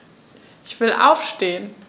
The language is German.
Ich will aufstehen.